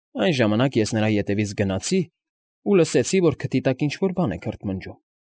Այն ժամանակ ես նրա ետևից գնացի ու լսեցի, որ քթի տակ ինչ֊որ բան է քրթմնջում։